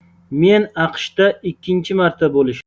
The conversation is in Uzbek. men aqshda ikkinchi marta bo'lishim